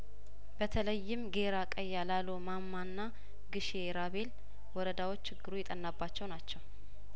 በተለይም ጌራ ቀያላሎ ማማና ግሼ ራ ቤል ወረዳዎች ችግሩ የጠናባቸው ናቸው